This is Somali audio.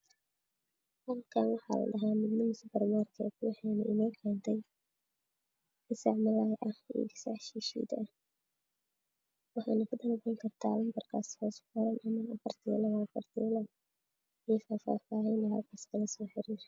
Qolkaani meel gasac yaalo gasac ahiishid ah xiriir ah